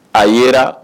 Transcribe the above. A ye